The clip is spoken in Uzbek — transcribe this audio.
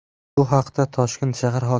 bu haqda toshkent shahar